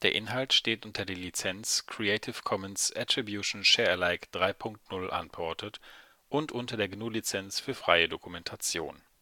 Inhalt steht unter der Lizenz Creative Commons Attribution Share Alike 3 Punkt 0 Unported und unter der GNU Lizenz für freie Dokumentation